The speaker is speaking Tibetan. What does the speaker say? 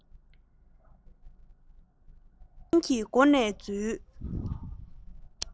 སློབ ཆེན གྱི སྒོ ནས འཛུལ